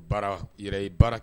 Baara yɛrɛ i baara kɛ